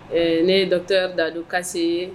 Ee ne dɔtɔ dadon kasisi